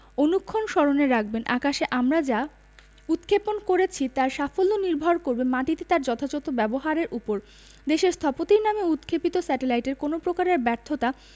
অনুক্ষণ স্মরণে রাখবেন আকাশে আমরা যা উৎক্ষেপণ করেছি তার সাফল্য নির্ভর করবে মাটিতে তার যথাযথ ব্যবহারের ওপর দেশের স্থপতির নামে উৎক্ষেপিত স্যাটেলাইটের কোনো প্রকারের ব্যর্থতা